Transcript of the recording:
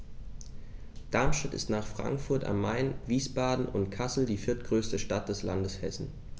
Darmstadt ist nach Frankfurt am Main, Wiesbaden und Kassel die viertgrößte Stadt des Landes Hessen